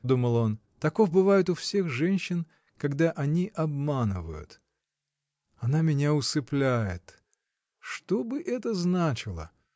— думал он, — таков бывает у всех женщин, когда они обманывают! Она меня усыпляет. Что бы это значило?